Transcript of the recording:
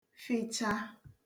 fịcha